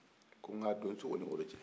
ko n k'a don n sogo ni n wolo cɛ